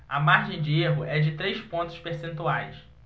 a margem de erro é de três pontos percentuais